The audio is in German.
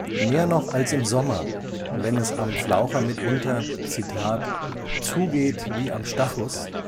Mehr noch als im Sommer, wenn es am Flaucher mitunter „ zugeht wie am Stachus